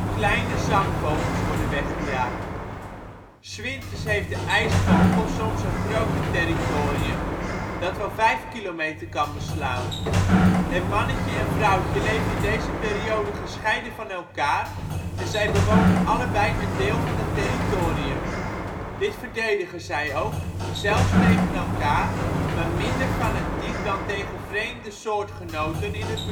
kleine zangvogels worden weggejaagd. ' s Winters heeft de ijsvogel soms een groter territorium, dat wel vijf kilometer kan beslaan. Het mannetje en vrouwtje leven in deze periode gescheiden van elkaar en zij bewonen allebei een deel van het territorium. Dit verdedigen zij ook, zelfs tegen elkaar, maar minder fanatiek dan tegen vreemde soortgenoten in het